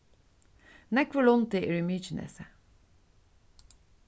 nógvur lundi er í mykinesi